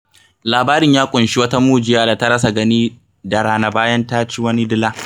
Labarin ya ƙunshi wata mujiya da ta rasa gani da rana bayan ta cuci wani dila.